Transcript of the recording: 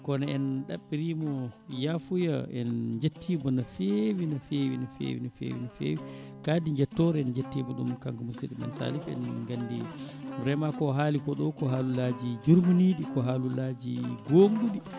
kono en ɗaɓɓirimo yafuya en jettimo no fewi no fewi no fewi no fewi no fewi kaddi jettore en jettimo ɗum kanko musidɗo men Salif enen gandi vraiment ko haali ko ɗo ko haalullaji jurminiɗi ko haalullaji gonɗuɗi